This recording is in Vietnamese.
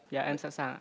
dạ em sẵn sàng ạ